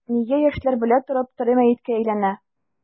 Нигә яшьләр белә торып тере мәеткә әйләнә?